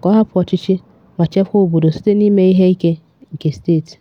ka ọ hapụ ọchịchị ma chekwaa obodo site n'ime ihe ike nke steeti.